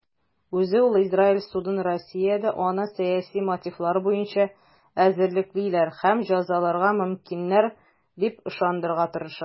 Үзе ул Израиль судын Россиядә аны сәяси мотивлар буенча эзәрлеклиләр һәм җәзаларга мөмкиннәр дип ышандырырга тырыша.